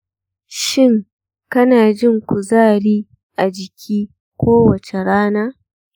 shin, kana jin kuzari a jiki kowace rana?